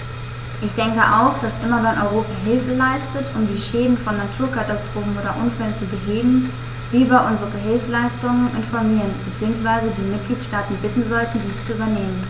Ich denke auch, dass immer wenn Europa Hilfe leistet, um die Schäden von Naturkatastrophen oder Unfällen zu beheben, wir über unsere Hilfsleistungen informieren bzw. die Mitgliedstaaten bitten sollten, dies zu übernehmen.